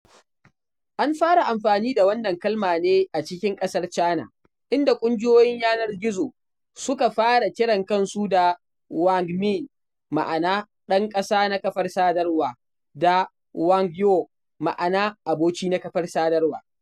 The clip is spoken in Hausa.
An fara amfani da wannan kalma ne a cikin ƙasar China, inda ƙungiyoyin yanar gizo suka fara kiran kansu da wǎngmín (网民, ma’ana “ɗan ƙasa na kafar sadarwa”) da wǎngyǒu (网友, ma’ana “aboki na kafar sadarwa”).